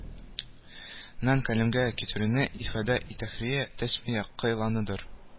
Нан каләмгә китерүне ихадә и тәхрия тәсмия кыйлынадыр